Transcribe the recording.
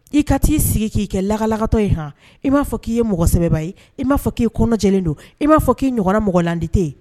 I ka ti sigi ki kɛ lagalakatɔ ye han . I ma fɔ ki ye mɔgɔsɛbɛba ye . I ma fɔ ki kɔnɔjɛlen don. I ma fɔ ki ɲɔgɔn mɔgɔlandi te yen ?